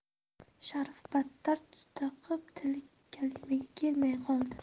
sharif battar tutaqib tili kalimaga kelmay qoldi